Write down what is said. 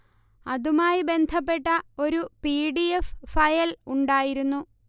അതുമായി ബന്ധപ്പെട്ട ഒരു പി. ഡി. എഫ്. ഫയൽ ഉണ്ടായിരുന്നു